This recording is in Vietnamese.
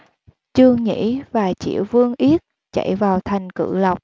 trương nhĩ và triệu vương yết chạy vào thành cự lộc